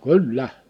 kyllä